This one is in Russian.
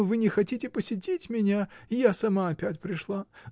вы не хотите посетить меня, я сама опять пришла.